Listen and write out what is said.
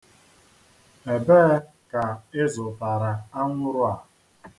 Ebee ka ị zụtara anwụrụ a?